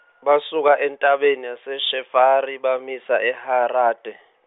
basuka entabeni yaseShefari bamisa eHarade.